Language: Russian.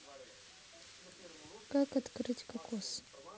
как открыть кокос